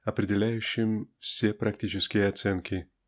определяющим все практические оценки.